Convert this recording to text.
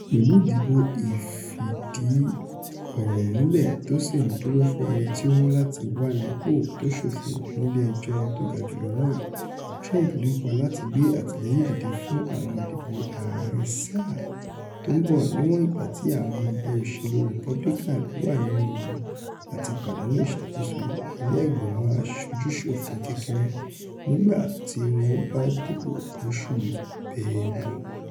Pẹ̀lú ìdìbò ìfìdíọ̀rọ̀múlẹ̀ tó sì ńdúró fún ẹnití ó mu láti wànípò tó ṣófo nílé Ejọ́ Tógajùlọ náà, Trump ńlépa láti gbé àtìlẹ́yìn dìde fún àwọn ìdìbò ààrin-sáà tó ńbọ níwọ̀n igbati àwọn ọmọ ẹgbẹ̵́ òṣèlú Republican wà nínú ewu àtipàdánù ìsàkóso ilé Ìgbìmọ̀ Aṣojú-ṣòfin kékeré nígbà tí wọ́n bá dìbò lóṣù Bélú.